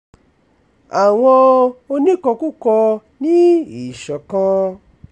Àwọn oníkọkúkọ ní ìṣọ̀kan